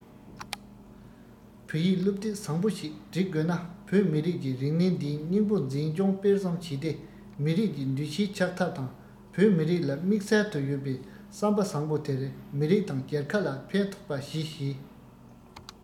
བོད ཡིག སློབ དེབ བཟང བོ ཞིག བསྒྲིག དགོས ན བོད མི རིགས ཀྱི རིག གནས འདིའི སྙིང བོ འཛིན སྐྱོང སྤེལ གསུམ བྱས ཏེ མི རིགས ཀྱི འདུ ཤེས ཆགས ཐབས དང བོད མི རིགས ལ དམིགས བསལ དུ ཡོད པའི བསམ པ བཟང བོ དེར མི རིགས དང རྒྱལ ཁབ ལ ཕན ཐོགས པ གཞི བྱས